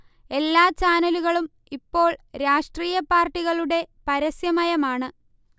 എല്ലാ ചാനലുകളും ഇപ്പോൾ രാഷ്ട്രീയ പാർട്ടികളുടെ പരസ്യ മയമാണ്